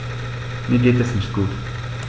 Mir geht es nicht gut.